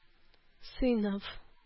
Сыйныф